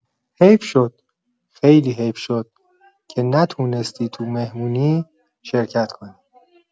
حیف شد، خیلی حیف شد که نتونستی تو مهمونی شرکت کنی.